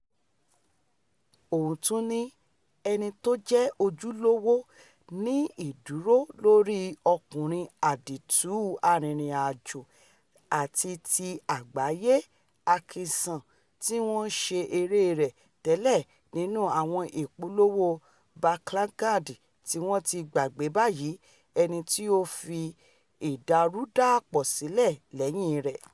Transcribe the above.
Òun tún ni ẹnitójẹ ojúlówo ní idúró lóri ọkùnrin àdììtú arìnrìn-àjò àti ti àgbáyé Atkinson tí wọn ṣe eré rẹ̀ tẹ́lẹ̀ nínú àwọn ìpolówó Barclaycard tíwọ́n ti gbàgbé báyìí, èyití ó fi ìdàrúdàpọ̀ sílẹ̀ lẹ́yìn rẹ̀.